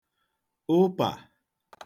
ụpà